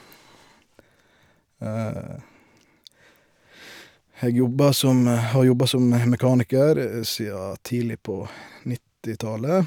Jeg jobba som har jobba som mekaniker sia tidlig på nittitallet.